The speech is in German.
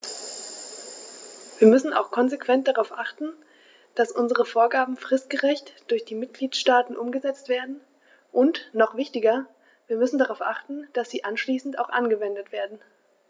Wir müssen auch konsequent darauf achten, dass unsere Vorgaben fristgerecht durch die Mitgliedstaaten umgesetzt werden, und noch wichtiger, wir müssen darauf achten, dass sie anschließend auch angewendet werden.